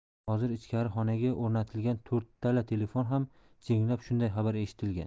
hozir ichkari xonaga o'rnatilgan to'rttala telefon ham jiringlab shunday xabar eshitilgan